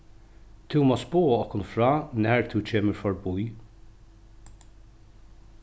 tú mást boða okkum frá nær tú kemur forbí